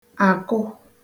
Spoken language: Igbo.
àkụ